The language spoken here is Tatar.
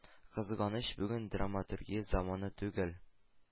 – кызганыч, бүген драматургия заманы түгел.